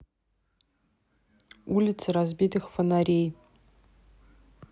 улицы разбитых фонарей